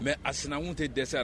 Mɛ a sinankun tɛ dɛsɛ la